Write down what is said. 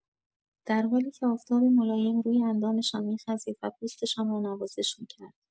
در حالی که آفتاب ملایم روی اندامشان می‌خزید و پوستشان را نوازش می‌کرد.